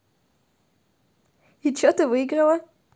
и че ты выиграла